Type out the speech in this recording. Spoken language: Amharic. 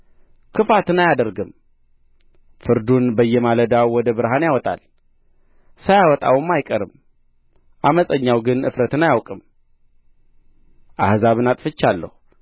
ክፋትን አያደርግም ፍርዱን በየማለዳው ወደ ብርሃን ያወጣል ሳያወጣውም አይቀርም ዓመፀኛው ግን እፍረትን አያውቅም አሕዛብን አጥፍቻለሁ